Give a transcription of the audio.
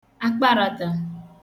akparata